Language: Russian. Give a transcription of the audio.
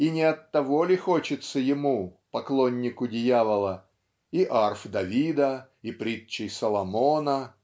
И не оттого ли хочется ему поклоннику Дьявола и арф Давида и притчей Соломона